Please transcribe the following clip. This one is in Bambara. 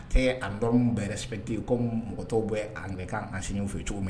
A tɛ a dɔn bɛɛp dikaw mɔgɔtɔ bɛ an ka kan an sini fɔ cogo min na